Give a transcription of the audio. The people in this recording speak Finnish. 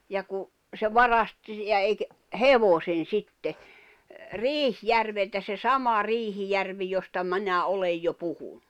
ja kun se varasti ja - hevosen sitten Riihijärveltä se sama Riihijärvi josta minä olen jo puhunut